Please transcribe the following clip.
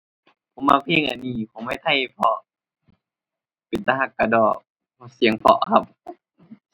ผมมักเพลงอันนี้ของไหมไทยเพราะเป็นตารักกะด้อ เสียงเพราะครับ